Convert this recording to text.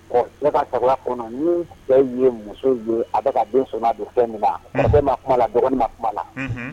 Ka taga kɔnɔ ni fɛn ye muso ye a bɛ ka den so don fɛn min na ma kuma la dɔgɔnin ma kuma la